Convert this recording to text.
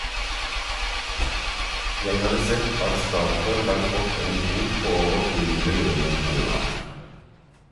Jeg hadde sett at Statoil hadde fått en bot på over 100 millioner kroner.